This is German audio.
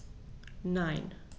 Nein.